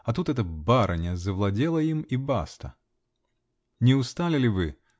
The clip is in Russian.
а тут эта барыня завладела им -- и баста! -- Не устали ли вы?